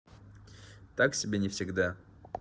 так себе не всегда